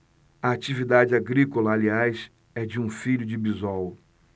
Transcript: a atividade agrícola aliás é de um filho de bisol